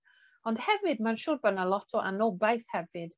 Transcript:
Ond hefyd ma'n siŵr bo' 'na lot o anobaith hefyd